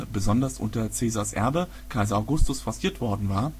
besonders unter Caesars Erbe Kaiser Augustus forciert worden war